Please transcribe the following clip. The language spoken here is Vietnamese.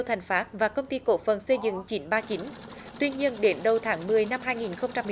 thành phát và công ty cổ phần xây dựng chín ba chín tuy nhiên đến đầu tháng mười năm hai nghìn không trăm